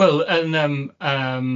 Wel yn yym yym